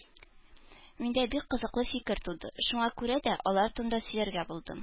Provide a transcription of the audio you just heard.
Миндә бик кызыклы фикер туды, шуңа күрә дә алар турында сөйләргә булдым